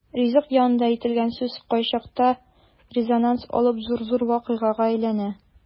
Ризык янында әйтелгән сүз кайчакта резонанс алып зур-зур вакыйгага әйләнә.